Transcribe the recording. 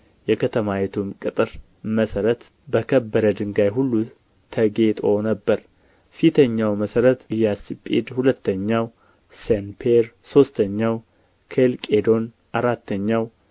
የከተማይቱም ቅጥር መሠረት በከበረ ድንጋይ ሁሉ ተጌጦ ነበር ፊተኛው መሠረት ኢያሰጲድ ሁለተኛው ሰንፔር ሦስተኛው ኬልቄዶን አራተኛው